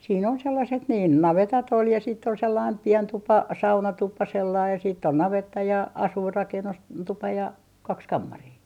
siinä on sellaiset niin navetat oli ja sitten oli sellainen pieni tupa saunatupa sellainen ja sitten on navetta ja asuinrakennus tupa ja kaksi kammaria